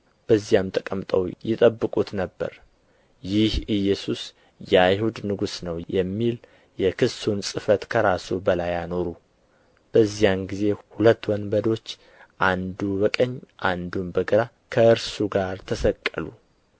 በዚያም ተቀምጠው ይጠብቁት ነበር ይህ ኢየሱስ የአይሁድ ንጉሥ ነው የሚል የክሱን ጽሕፈት ከራሱ በላይ አኖሩ በዚያን ጊዜ ሁለት ወንበዶች አንዱ በቀኝ አንዱም በግራ ከእርሱ ጋር ተሰቀሉ